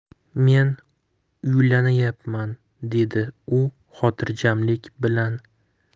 men uylanyapman dedi u xotiijamlik bilan